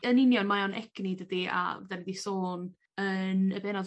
Yn union mae o'n egni dydi a 'dyn ni 'di sôn yn y bennod